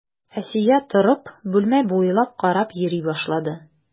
Асия торып, бүлмә буйлап карап йөри башлады.